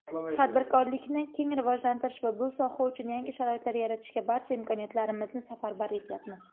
tadbirkorlikni keng rivojlantirish va bu soha uchun yangi sharoitlar yaratishga barcha imkoniyatlarimizni safarbar etyapmiz